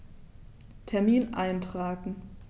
Termin eintragen